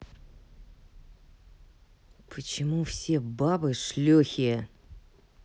почему все бабы шлюхи